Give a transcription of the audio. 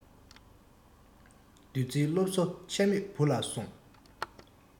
བདུད རྩིའི སློབ གསོ ཆད མེད བུ ལ གསུང